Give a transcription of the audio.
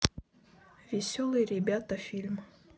веселые ребята фильм